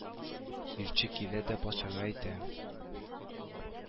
Илче килә дә патшага әйтә